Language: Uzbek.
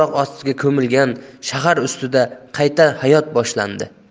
ostiga ko'milgan shaharustida qayta hayot boshlandi